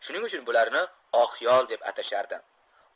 shuning uchun bularni oqyol deb atashardi